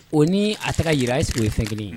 O ni a taga ka jirara a ye sigi ye fɛn kelen ye